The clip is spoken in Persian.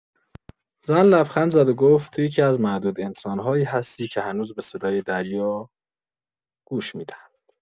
زن لبخند زد و گفت: «تو یکی‌از معدود انسان‌هایی هستی که هنوز به صدای دریا گوش می‌دهند.»